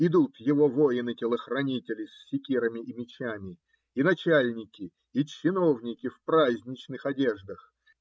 идут его воины-телохранители с секирами и мечами, и начальники, и чиновники в праздничных одеждах.